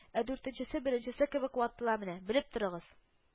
Ә дүртенчесе беренчесе кебек ватыла менә, бәреп торыгыз